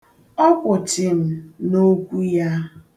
Ọ kwụ chịm n'okwu ya.